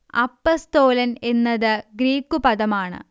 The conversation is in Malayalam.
അപ്പസ്തോലൻ എന്നത് ഗ്രീക്കു പദമാണ്